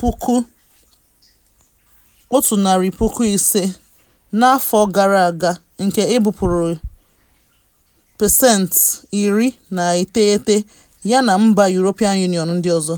150,000 n’afọ gara aga nke ebupuru 90% ya na mba European Union ndị ọzọ.